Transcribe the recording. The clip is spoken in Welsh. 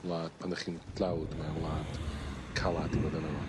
wlad pan 'dach chi'n dlawd mae'n wlad calad i fod yno fo.